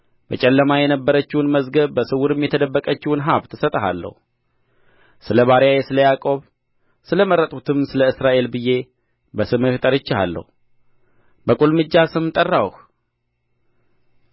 በጨለማ የነበረችውን መዝገብ በስውርም የተደበቀችውን ሀብት እሰጥሃለሁ ስለ ባሪያዬ ስለ ያዕቆብ ስለ መረጥሁትም ስለ እስራኤል ብዬ በስምህ ጠርቼሃለሁ በቍልምጫ ስምህ ጠራሁህ